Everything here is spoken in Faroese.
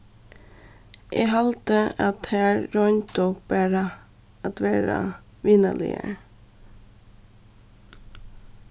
eg haldi at tær royndu bara at vera vinarligar